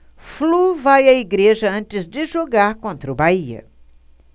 flu vai à igreja antes de jogar contra o bahia